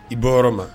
I bɔ yɔrɔ ma